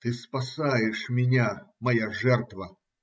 Ты спасаешь меня, моя жертва!.